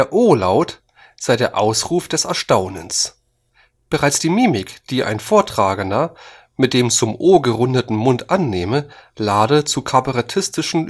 o-Laut sei der Ausruf des Erstaunens. Bereits die Mimik, die ein Vortragender mit zum o gerundetem Mund annehme, lade zu kabarettistischer